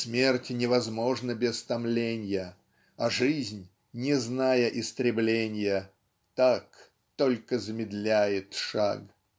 Смерть невозможна без томленья, А жизнь, не зная истребленья, Так только замедляет шаг.